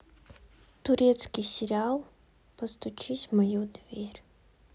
турецкий сериал постучись в мою дверь